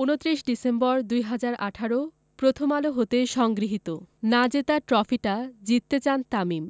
২৯ December ২০১৮ Prothom Alo হতে সংগৃহীত না জেতা ট্রফিটা জিততে চান তামিম